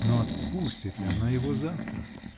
Но отпустит ли она его завтра?